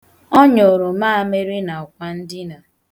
Ọ nyụrụ maamịrị n' akwandina.